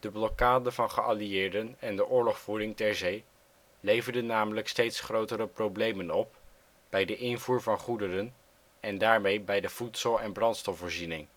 blokkade van geallieerden en de oorlogvoering ter zee leverde namelijk steeds grotere problemen op bij de invoer van goederen en daarmee bij de voedsel - en brandstofvoorziening